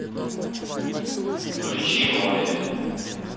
включи моби